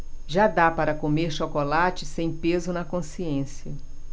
já dá para comer chocolate sem peso na consciência